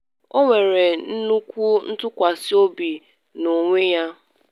“Ọ nwere nnukwu ntụkwasị obi n’onwe ya.